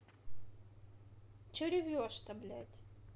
че рвешь то блядь